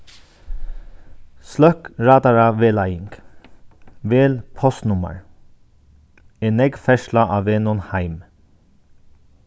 sløkk radaravegleiðing vel postnummar er nógv ferðsla á vegnum heim